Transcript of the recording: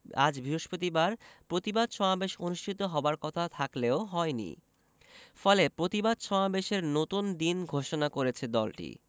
আজ বৃহস্পতিবার প্রতিবাদ সমাবেশ অনুষ্ঠিত হবার কথা থাকলেও হয়নি ফলে প্রতিবাদ সমাবেশের নতুন দিন ঘোষণা করেছে দলটি